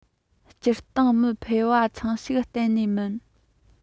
སྤྱིར བཏང མི ཕལ བ ཚང ཞིག གཏན ནས མིན